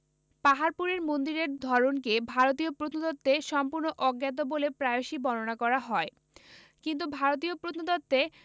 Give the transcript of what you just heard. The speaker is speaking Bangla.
পাহাড়পুরের মন্দিরের ধরনকে ভারতীয় প্রত্নতত্ত্বে সম্পূর্ণ অজ্ঞাত বলে প্রায়শই বর্ণনা করা হয় কিন্তু ভারতীয় প্রত্নতত্ত্বে